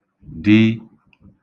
d